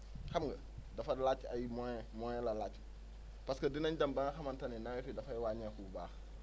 xam nga dafa laaj ay moyens moyen la laaj parce que dinañ dem ba nga xamante ne nawet bi dafay wàññeeku bu baax